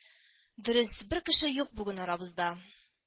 Дөрес, бер кеше юк бүген арабызда